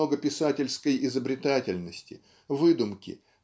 мною писательской изобретательности выдумки